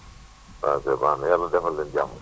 waaw kay baax na yàlla defal leen jàmm